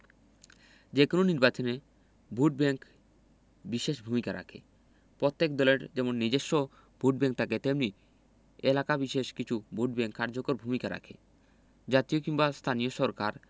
যেকোনো নির্বাচনে ভোটব্যাংক বিশেষ ভূমিকা রাখে প্রত্যেক দলের যেমন নিজস্ব ভোটব্যাংক থাকে তেমনি এলাকা বিশেষে কিছু ভোটব্যাংক কার্যকর ভূমিকা রাখে জাতীয় কিংবা স্থানীয় সরকার